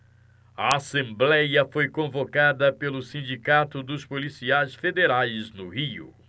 a assembléia foi convocada pelo sindicato dos policiais federais no rio